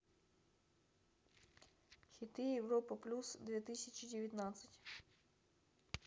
хиты европа плюс две тысячи девятнадцать